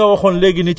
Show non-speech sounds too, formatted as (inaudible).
(hesitation)